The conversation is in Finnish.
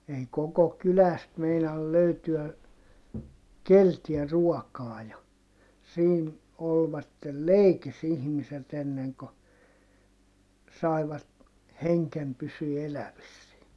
ei koko kylästä meinaa löytyä keneltäkään ruokaa ja siinä olivat leikissä ihmiset ennen kuin saivat hengen pysymään elävissä